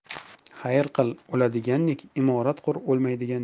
xayr qil o'ladigandek imorat qur o'lmaydigandek